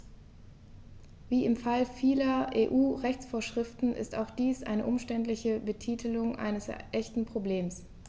Wie im Fall vieler EU-Rechtsvorschriften ist auch dies eine umständliche Betitelung eines echten Problems.